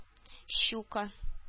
Щука